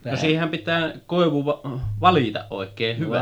no siihenhän pitää koivu valita oikein hyvä